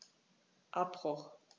Abbruch.